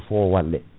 fo walle